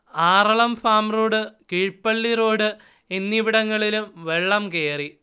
Aralam farm road Keezhpally road എന്നിവിടങ്ങളിലും വെള്ളം കയറി